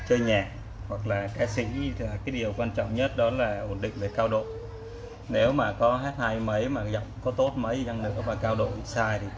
chơi nhạc hoặc là ca sỹ điều quan trọng nhất đó là ổn định cao độ nếu có hát hay mấy giọng có tốt mấy đi chăng nữa mà cao độ sai thì